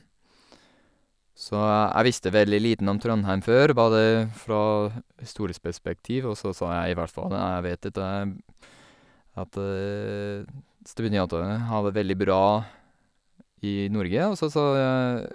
Nei, jeg vet at at studentene har det veldig bra i Norge, og så sa jeg: